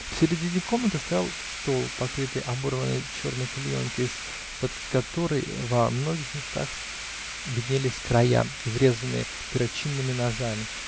В середине комнаты стоял стол, покрытый оборванной черной клеенкой, из-под которой во многих местах виднелись края, изрезанные перочинными ножами.